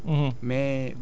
loolu tamit c' est un problème